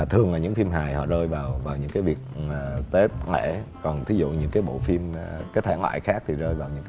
thường là những phim hài họ rơi vào những cái dịp tết lễ còn thí dụ những cái bộ phim các thể loại khác thì rơi vào những